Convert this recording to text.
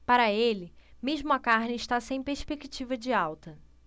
para ele mesmo a carne está sem perspectiva de alta